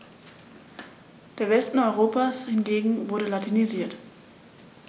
Der Westen Europas hingegen wurde latinisiert.